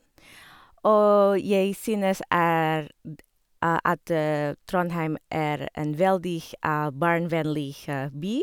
Og jeg synes er d at Trondheim er en veldig barnevennlig by.